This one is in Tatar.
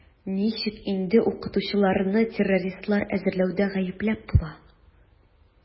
Ничек инде укытучыларны террористлар әзерләүдә гаепләп була?